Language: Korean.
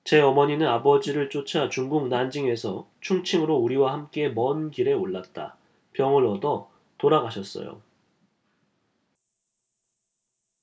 제 어머니는 아버지를 쫓아 중국 난징에서 충칭으로 우리와 함께 먼 길에 올랐다 병을 얻어 돌아가셨어요